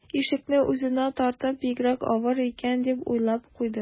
Ишекне үзенә тартып: «Бигрәк авыр икән...», - дип уйлап куйды